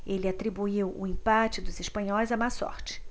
ele atribuiu o empate dos espanhóis à má sorte